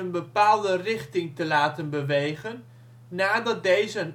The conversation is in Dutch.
bepaalde richting te laten bewegen nadat deze